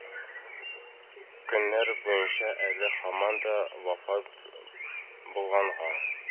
Көннәр буенча, әле һаман да вафат булганга